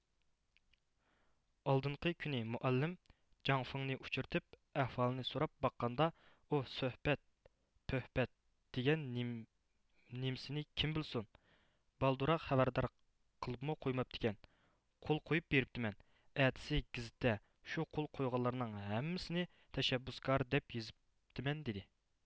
ئالدىنقى كۈنى مۇئەللىم جاڭ فېڭنى ئۇچرىتىپ ئەھۋالنى سوراپ باققاندا ئۇ سۆھبەت پۆھبەت دېگەن نېمىسىنى كىم بىلسۇن بالدۇرراق خەۋەردار قىلىپمۇ قويماپتىكەن قول قويۇپ بېرىپتىمەن ئەتىسى گېزىتتە شۇ قول قويغانلارنىڭ ھەممىسىنى تەشەببۇسكار دەپ يېزىپتىمەن دېدى